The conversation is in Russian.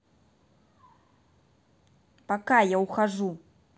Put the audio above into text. пока я ухожу